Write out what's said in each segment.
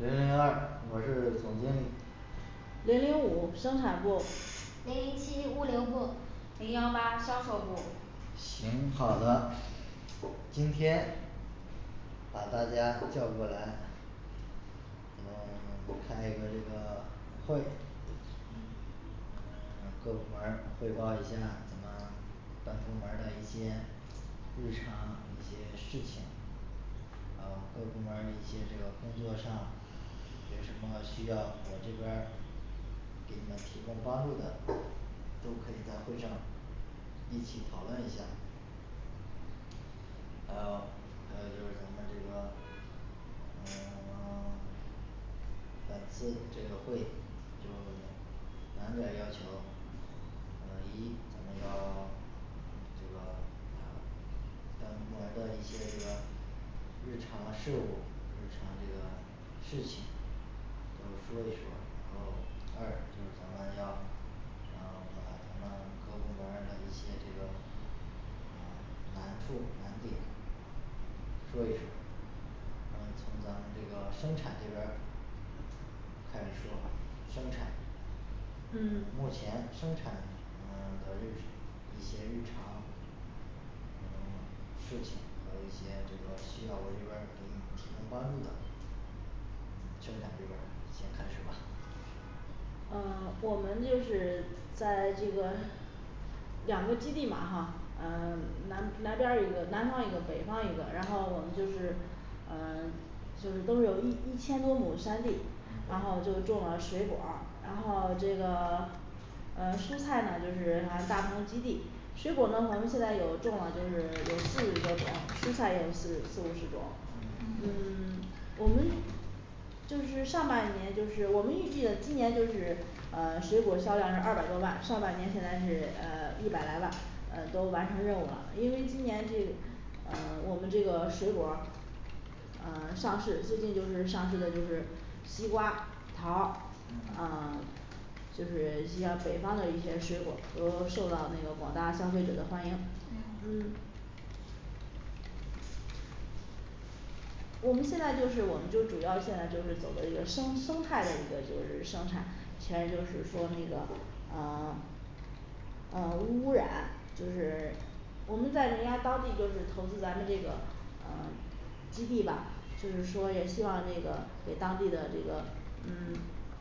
零零二我是总经理零零五生产部零零七物流部零幺八销售部行好的。今天把大家叫过来嗯 开一个这个会嗯嗯行各部门儿汇报一下嗯 咱部门儿的一些日常一些事情然后各个部门儿一些这个工作上有什么需要我这边儿给你们提供帮助的都可以在会上一起讨论一下还有还有就是咱们这个嗯 本次这个会就两点儿要求呃一我们要咱们这个咱部门儿的一些这个日常的事务日常这个事情都说一说然后二就是咱们要然后把咱们各部门儿的一些这个嗯难处难点说一说嗯从咱们这个生产这边儿开始说啊生产嗯目前生产嗯的日一些日常事情，还有一些这种需要我这边儿给你提供帮助的嗯生产这边儿先开始吧呃我们就是在这个两个基地嘛哈呃南南边儿有一个南方一个北方一个，然后我们就是呃 就是都有一一千多亩山地，然后嗯就种了水果儿然后这个呃蔬菜呢就是反正大棚基地水果儿呢我们现在有种了就是有四十多种蔬菜，也有四四五十种嗯嗯我们就是上半年就是我们预计的今年就是呃水果销量是二百多万，上半年现在是呃一百来万，呃都完成任务了因为今年这呃我们这个水果儿呃上市最近就是上市的就是西瓜桃儿呃 嗯就是一些北方的一些水果儿都受到那个广大消费者的欢迎嗯嗯我们现在就是我们就主要现在就是走的一个生生态的一个就是生产，全就是说那个呃 呃无污染，就是我们在人家当地就是投资咱们这个呃 基地吧，就是说也希望这个给当地的这个嗯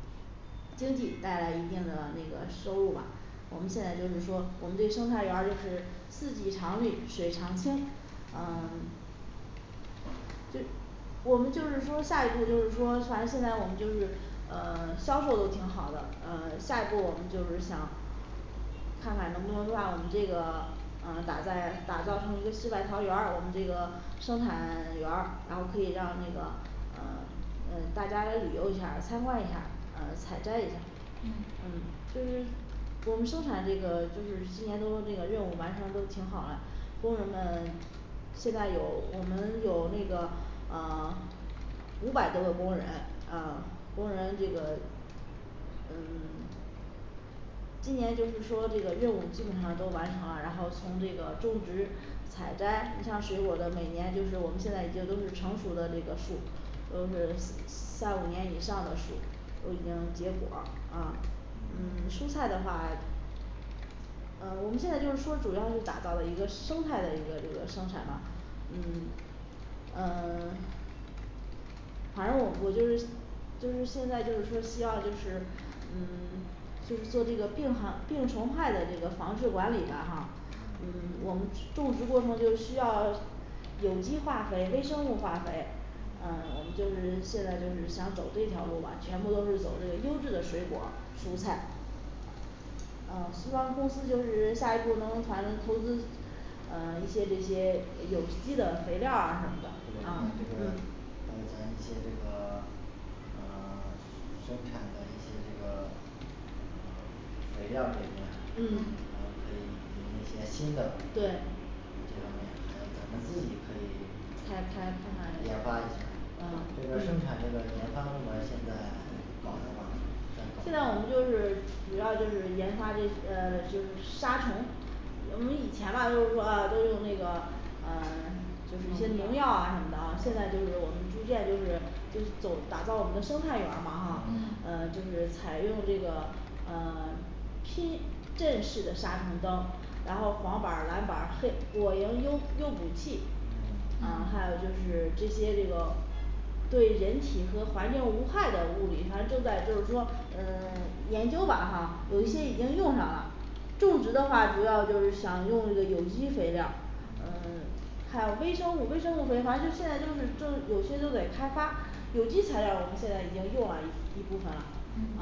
经济带来一定的那个收入吧我们现在就是说我们这生态园儿就是四季常绿水常清呃嗯这我们就是说下一步就是说，反正现在我们就是呃 销售都挺好的，呃 下一步我们就是想看看能不能让我们这个呃打在打造成一个世外桃源儿，我们这个生产 园儿，然后可以让那个呃 呃大家来旅游一下儿参观一下儿，嗯采摘一下儿嗯嗯就是我们生产这个就是今年都那个任务完成得都挺好的，工人们，现在有我们有那个呃 五百多个工人，呃 工人这个嗯 今年就是说这个任务基本上都完成了，然后从这个种植采摘，你像水果儿的每年就是我们现在已经都是成熟的这个树，都是三五年以上的树都已经结果儿啊嗯 嗯蔬菜的话呃我们现在就是说主要是打造了一个生态的一个这个生产吧，嗯 呃 反正我我就是就是现在就是说希望就是嗯 就是做这个病房病虫害的这个防制管理的哈，嗯嗯 我们吃种植过程就需要有机化肥、微生物化肥，呃我嗯们就是现在就是想走这条路吧，全部都是走这优质的水果儿蔬菜呃希望公司就是下一步能团投资呃一些这些有机的肥料儿啊什么的啊嗯对嗯还有咱一些这个呃 生产的一些这个嗯 肥料儿这一边，还嗯嗯可以引用一些新的对这方面还要咱们自己可以开开困难一些研发一下呃这边儿生产嗯这个研发部门儿现在搞着嘛在现在我们就是主要就是研发这呃就是杀虫，我们以前吧就是说啊都用那个呃 就是一些农药啊什么的啊现在就是我们逐渐就是就走打造我们的生态园儿嘛哈，&嗯&嗯嗯就是采用这个呃 拼正式的杀虫灯，然后黄板儿蓝板儿黑果蝇又又补气嗯，嗯啊还有就是这些这个对人体和环境无害的物理，反正正在就是说嗯 研究吧哈有一些已经用上了种植的话主要就是想用这个有机肥料儿，呃嗯 还有微生物微生物肥，反正就现在就是就有些就得开发有机材料儿，我们现在已经用了一一部分了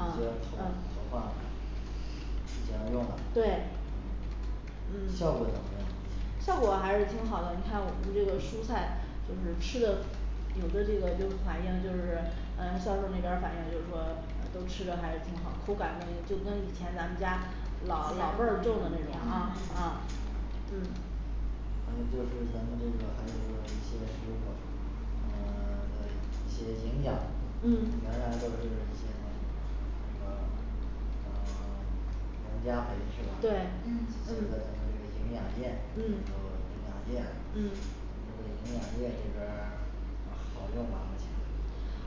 嗯先嗯投投放之前用了对嗯效果怎么样效果还是挺好的，你看我们这个蔬菜就是吃的有的这个就反映就是呃销售那边儿反映就是说呃都吃得还是挺好的，口感，就跟以前咱们家老老辈儿种的那种啊嗯啊嗯反正就是咱们这个还有就是一些食物，呃 有一些营养，嗯原来都是一些那个呃 农家肥是吧现在对咱们嗯这个嗯营养液有营嗯养液啦那个嗯营养液这边儿呃好用吗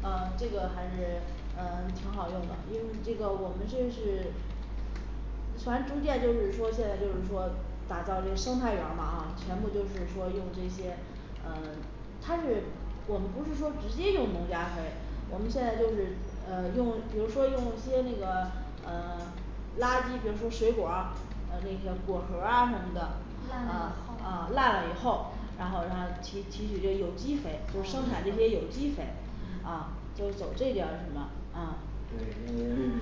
呃这个还是呃挺好用的，因为这个我们这是全逐渐就是说现在就是说打造一个生态园儿嘛啊，全部就是说用这些呃 它是我们不是说直接用农家肥，嗯我们现在就是呃用比如说用一些那个呃 垃圾，比如说水果儿呃那些嗯果核儿啊什么的烂啊啊了以后啊烂了以后，嗯然后让他提提取这有机肥就生产这些有机肥啊就是走这点儿什么啊对因为嗯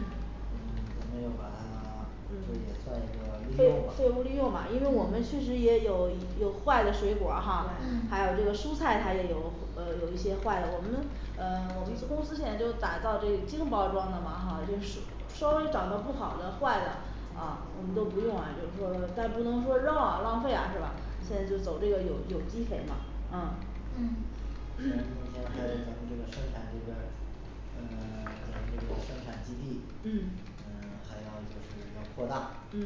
咱们就把它 嗯这也算一废废物个利用吧利用吧因为我们嗯确实也有有坏的水果儿哈对，还有这嗯个蔬菜，他也有呃有一些坏的，我们呃 我们公司现在就打造这精包装的嘛哈就是稍微长的不好的坏的，啊我们都不用啊就是说，咱不能说扔了浪费啊是吧现在就走这个有有机肥嘛啊嗯嗯咱目前还说咱 们 这个生产这边儿呃在这个生产基地嗯想要就是要扩大行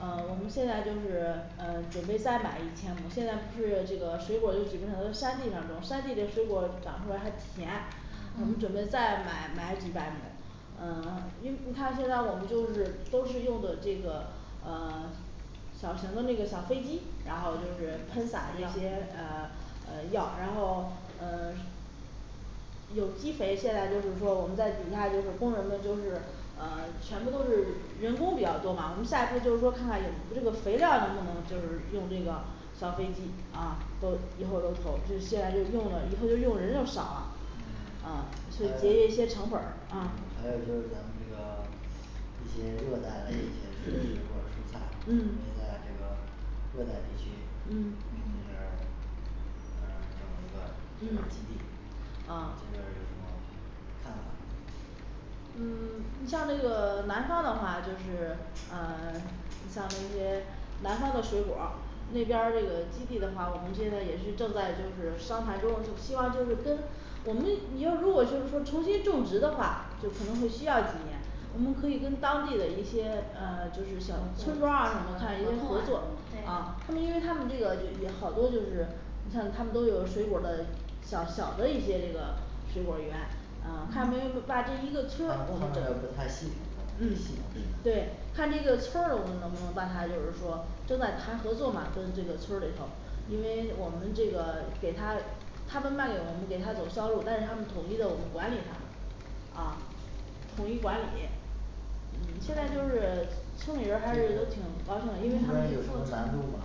啊我们现在就是呃准备再买一千亩，现在不是这个水果儿，就基本上都是山地上种山地里的水果儿长出来还甜嗯我们准备再买买几百亩呃 因为你看现在我们就是都是用的这个呃 小型的那个小飞机，然后就嗯是喷洒这些药呃 呃药，然后呃 有机肥现在就是说我们在底下就是工人们就是呃 全部都是人工比较多嘛，我们下一步就是说看看有这个肥料儿能不能就是用这个小飞机啊，都以后都投，就现在就用了以后就用人就少了啊嗯。所以节约一些成本儿咱嗯啊还是有就是咱这个一些热带的一些水果 儿蔬菜，都嗯嗯在这个热带地区那嗯边儿那边儿整一个基地嗯咱们这边儿有啊什么办法嗯 你像这个南方的话，就是呃 你像那些南方的水果儿那嗯边儿有了基地的话，我们现在也是正在就是商谈中，希望就是跟我们这你要如果就是说重新种植的话，就可能会需要几年，我们可以跟当地的一些呃就是小村庄儿啊什么看一些合作啊对，他们因为他们这个有好多就是你像他们都有水果儿的小小的一些这个水果儿园，啊他们就嗯是把这一个村儿这我方们整面不太细嗯 对，看这个村儿我们能不能把它就是说正在谈合作嘛跟这个村儿里头因为我们这个给他他们卖给我们给他走销路，但是他们统一的我们管理他啊统一管理嗯现在就是村里人儿还是都挺高兴的，因为他们是有什做么难度吗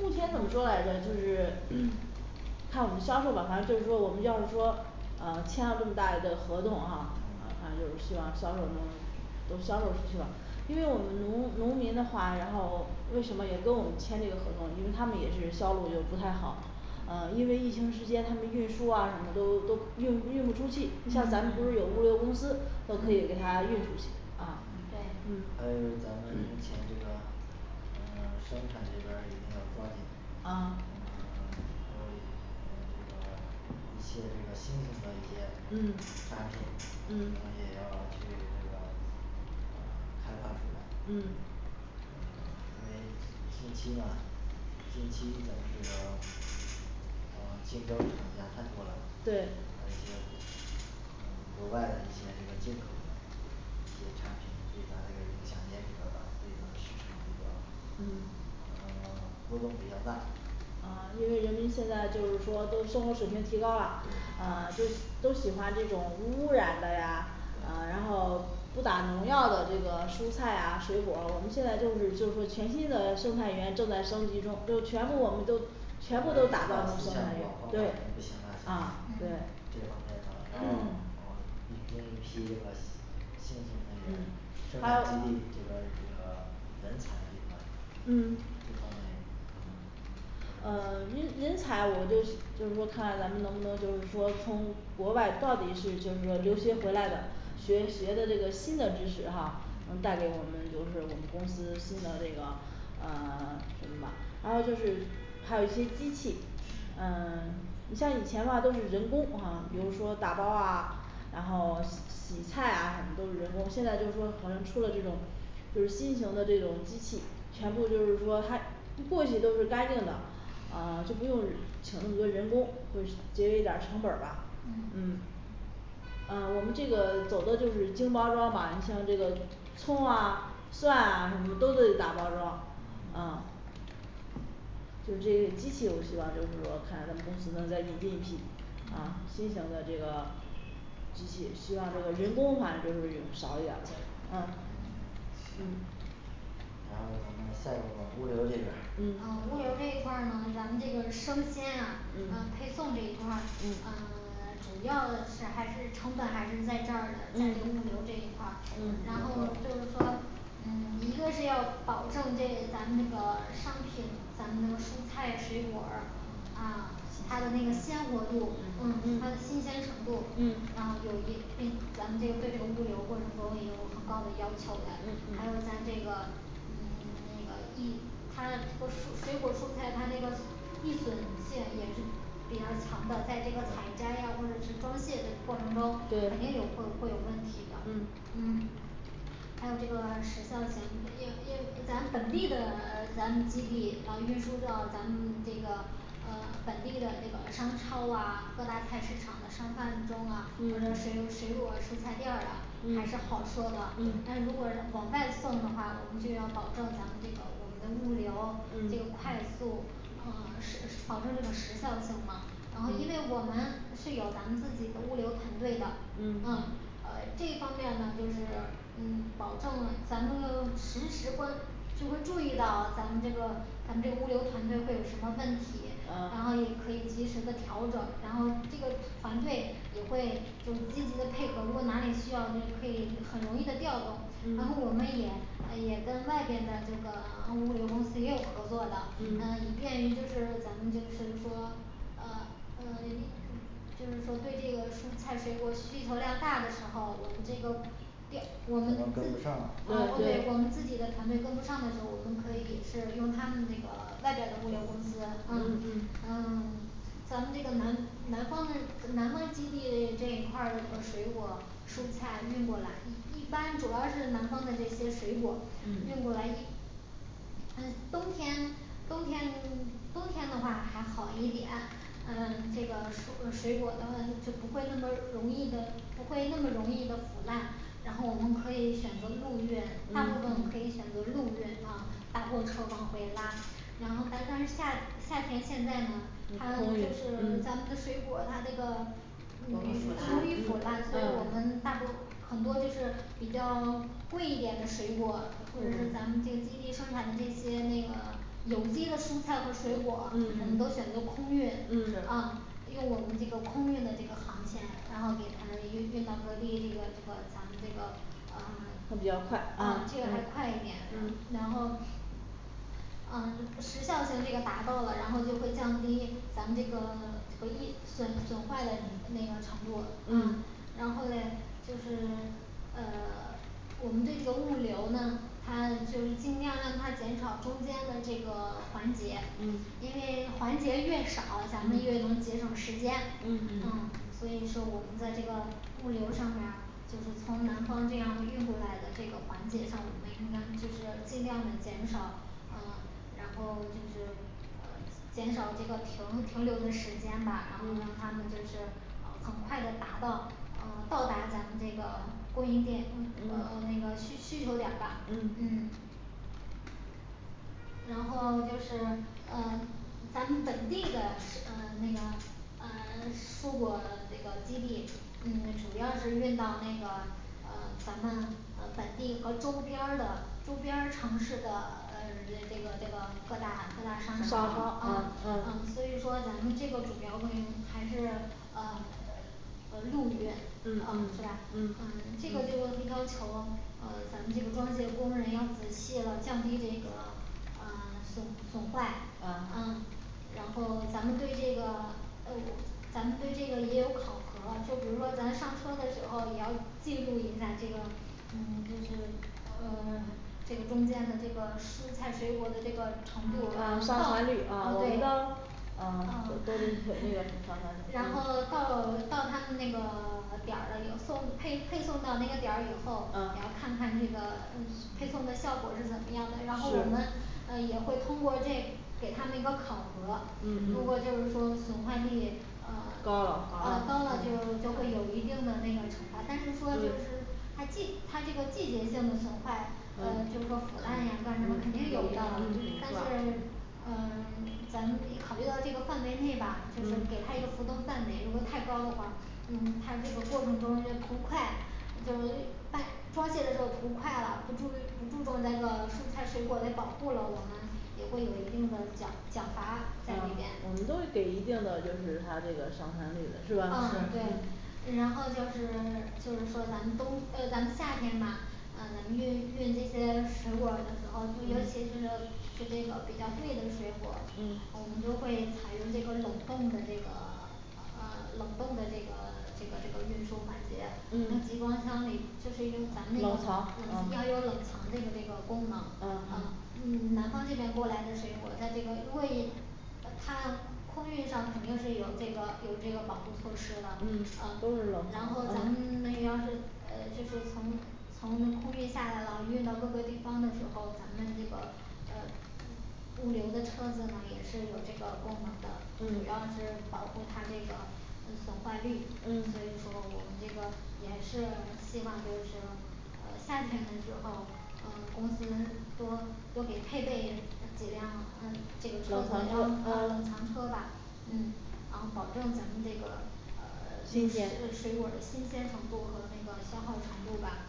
目前怎么说来着就是 看我们销售吧，反正就是说我们要是说呃签了这么大的合同哈，嗯反正就是希望销售能都销售出去了因为我们农农民的话，然后为什么也跟我们签这个合同，因为他们也是销路就不太好呃因为疫情时间他们运输啊什么都都运运不出去，像咱嗯们不是有物流公司都可以嗯给他运出去啊对嗯嗯还有咱们以 前这个呃生产这边儿一定要抓紧啊啊 还有呃这个一些这个新型的一嗯些产品我们嗯也要去这个呃开发出来嗯呃 因为近期吧近期咱们这个呃竞争厂家太多了，还有对嗯额外的一些这个进口，这个产品对咱这个影响也比较大，对那个市场这个嗯呃波动比较大啊因为人民现在就是说都生活水平提高了对，啊就都喜欢这种无污染的呀，呃对然后不打农药的这个蔬菜啊水果儿我们现在就是就说全新的生态园正在升级中，就全部我们都全部都打造我们同养液对不行诶这方面咱们要引进啊对 嗯一批那个新型的嗯生还有产基地这边儿嘞这个人才这一块嗯这方面嗯呃人人才，我就是就是说看咱们能不能就是说从国外到底是就是说留学回来的学学的这个新的知识嗯哈能嗯带给我们就是我们公司新的这个呃 什么吧，然后就是还有一些机器呃 你像以前的话都是人工哈，比如说打包儿啊，然后洗菜啊什么都是人工，现在说好像出了这种就是新型的这种机器，全部就是说它一过去都是干净的，啊就不用请那么多人工会是 节约一点儿成本儿吧嗯嗯啊我们这个走的就是精包装吧，你像这个葱啊、蒜啊什么都得打包装嗯啊就这个机器我希望就是说看咱们公司能再引进一批啊嗯新型的这个机器，希望这个人工的话就是少一点儿啊嗯嗯行然后你们下一步物流这边儿嗯啊物流这一块儿呢，咱们这个生鲜啊呃嗯配送这一块儿呃嗯 主要的是还是成本还是在这儿的，在这嗯物流这一块儿，然后就是说嗯一个是要保证这咱们这个商品，咱们蔬菜水果儿，嗯啊它的那个鲜活度，它的嗯新鲜程度嗯，然后有一并咱们这个对这个物流过程中有很高的要求的，还有嗯嗯咱这个嗯 那个一它果水水果儿蔬菜它这个一损线也是比较强的，在这个采摘呀或者是装卸的过程中肯定有对会会有问题的嗯嗯还有这个时效性，那个因为咱本地的呃咱们基地，然后运输到咱们这个呃本地的这个商超啊各大菜市场的商贩中啊或者水嗯水果儿蔬菜店儿啊还是嗯好说的。但嗯是如果往外送的话，我们就要保证咱们这个我们的物流这个嗯快速呃时时保证这个时效性嘛然后因嗯为我们是有咱们自己的物流团队的，嗯嗯呃这方面呢就是嗯保证咱们要实时关就会注意到咱们这个咱们这个团队物流团队会有什么问题，然后也啊可以及时的调整然后这个团队也会就积极的配合，如果哪里需要也可以很容易的调动，然后我们也嗯呃也跟外边的这个物流公司也有合作的，呃嗯以便于就是咱们就是说呃嗯类似于就是说对这个蔬菜水果儿需求量大的时候，我们这个调我们自跟不上啊我们对自己的团队跟不上的时候，我们可以也是用他们那个外边的物流公司啊嗯嗯呃 咱们这个南南方的南方基地这一块儿的这个水果儿蔬菜运过来一一般主要是南方的这些水果儿运过来一嗯呃冬天冬天冬天的话还好一点，呃这个水水果的话就不会那么容易的不会那么容易的腐烂，然后我们可以选择路运，大部分可嗯以选择陆运啊嗯，大货车往回拉然后但但是夏夏天现在呢也它可就以是嗯咱们的水果儿，它这个呃容容易易腐腐烂烂所以嗯啊我们大多很多就是比较贵一点的水果儿，或者是咱们这个基地生产的这些那个有机的蔬菜和水果嗯儿，我们都嗯选择空运嗯啊是用我们这个空运的这个航线，然后给它运运到各地这个这个，咱们这个会比较快啊呃 这个还快一点嗯嗯，然后啊时效性这个达到了，然后就会降低咱们这个这一损损坏的那个程度嗯了嗯然后嘞就是呃 我们对这个物流呢它就是尽量让它减少中间的这个环节嗯，因为环节越少，咱们越嗯能节省时间。嗯啊所以说我们在这个物流上面儿就是从南方这样运回来的这个环节上，我们应该就是尽量的减少啊，然后就是呃减少这个停停留的时间吧然嗯后让嗯他们就是呃很快的达到呃到达咱们这个供应链嗯和那个需需求点儿吧嗯嗯然后就是呃咱们本地的是呃那个呃硕果，这个基地呃嗯主要是运到那个呃咱们呃本地和周边儿的周边儿城市的呃这个这个各大各大商商场啊啊啊啊，所以说咱们里边儿还是呃 啊陆运啊嗯嗯是吧呃嗯这个嗯就就要求呃咱们这个装卸工人要仔细了降低这个呃 损损坏啊啊然后咱们对这个啊有咱们对这个也有考核，就比如说咱上车的时候也要记录一下这个，嗯就是呃 这个中间的这个蔬菜水果儿的这个程度啊到到达率啊啊我对们到啊呃对对对这个上传 然后到到他们那个 点儿了，有送配配送到那个点儿以后，也要啊看看那个配送的效果是怎么样的，然后我们呃也会通过这给他们一个考核，嗯如果就嗯是说损坏率呃高了呃啊高了嗯就就会有一定的那个惩罚，但是说就嗯是它季它这个季节性的损坏呃就是说啊腐烂呀干什么嗯肯定有的但是呃 咱们这考虑到这个范围内吧就是嗯给他一个浮动范围，如果太高的话嗯他这个过程中要图快，就容易办装卸的时候儿图快了，不注不注重那个蔬菜水果儿的保护了，我们也会有一定的奖奖罚在里边啊我们都会给一定的就是它这个伤残率的是吧啊嗯对然后就是 就是说咱们冬呃咱们夏天嘛呃咱们运运这些水果儿的时候儿，就尤其嗯是是这个比较贵的水果儿，嗯我们都会采用这个冷冻的这个呃冷冻的这个这个这个运输环节，嗯集装箱里就是用咱们冷藏啊嗯要有冷藏这个这个功能啊啊嗯 南方这边儿过来的水果儿在这个为呃它了空运上肯定是有这个有这个保护措施的嗯，都是呃冷然后咱嗯们那要是呃就是从从空运下来了，运到各个地方的时候，咱们这个呃嗯物流的车子呢也是有这个功能的，主要嗯是保护它这个嗯损坏率，所以嗯说我们这个也是希望就是呃夏天的时候儿嗯公司多多给配备呃几辆呃这个车冷子藏车呃啊冷藏车吧嗯然后保证咱们这个呃新就鲜水果儿的新鲜程度和那个消耗程度吧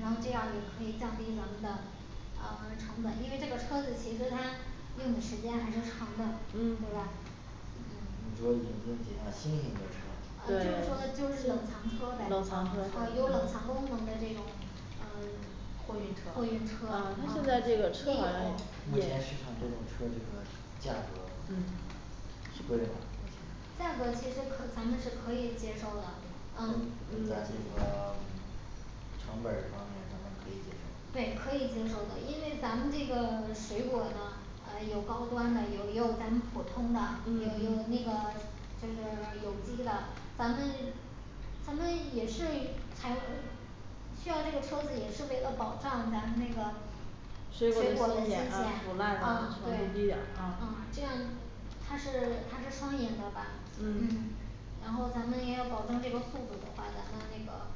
然后嗯这样也可以降低咱们的呃 成本，因为这个车子其实它用的时间还是长的，对吧嗯嗯你说引进几辆新型的车啊就是说对就是冷冷藏藏车车呗啊啊有冷藏功能的这种呃 货货运车运车啊啊那就在这个一车种里目引前市场这种车这个价格嗯是贵吗目前价格其实可咱们是可以接受的嗯嗯咱这个 成本儿方面咱们可以就是对可以接受的，因为咱们这个水果儿呢呃有高端的，有也有咱们普通的，有有那个嗯就是有机的，咱们那咱们也是财呃需要这个车子也是为了保障咱们那个水水果果的的新新鲜鲜啊腐烂了重复积对压啊啊这样他是他是双赢的吧嗯嗯然后咱们也要保证这个速度的话，咱们那个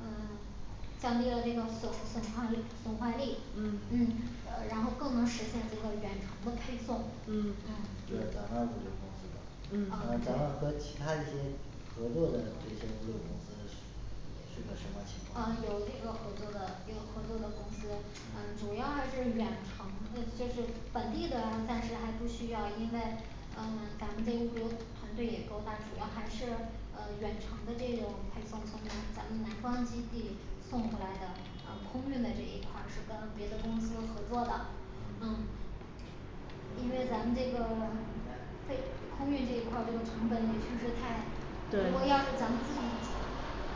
嗯 降低了这个损损坏率损坏率，嗯嗯呃然后更能实现这个远程的配送嗯对啊只有咱嗯们物流公司的咱们和其他一些合作的这些物流公司是也是个什么情况啊有这个合作的有合作的公司呃主要还是远程的，就是本地的暂时还不需要，因为呃咱们这个物流团队也够大，主要还是呃远程的这种配送，从南咱们南方基地送回来的，空运的这一嗯块儿是跟别的公司合作的嗯因为咱们这个飞空运这一块儿这个成本也确实太如果要是对咱们自己